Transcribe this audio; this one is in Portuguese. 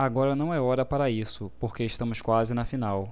agora não é hora para isso porque estamos quase na final